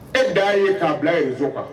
E dan ye k'a bila reso kan.